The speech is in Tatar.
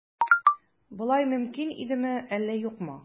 Болай мөмкин идеме, әллә юкмы?